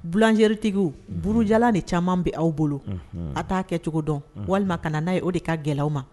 Bilajɛritigiw bjala ni caman bɛ aw bolo a t'a kɛ cogo dɔn walima kana n'a ye o de ka gɛlɛya ma